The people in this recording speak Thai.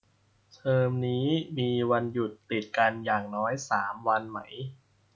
เทอมนี้มีวันหยุดติดกันอย่างน้อยสามวันไหม